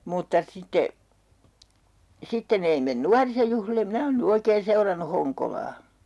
mutta sitten sitten ei mene nuorisojuhlille minä olen nyt oikein seurannut Honkolaa